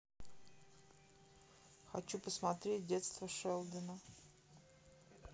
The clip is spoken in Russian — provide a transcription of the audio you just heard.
хочу посмотреть детство шелдона